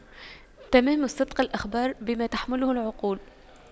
تمام الصدق الإخبار بما تحمله العقول